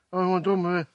Mae mor drwm i fi.